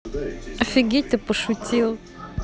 офигеть ты пошутил